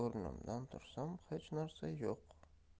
o'rnimdan tursam hech narsa yo'q